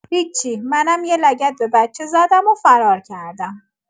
هیچی منم یه لگد به بچه زدم و فرار کردم!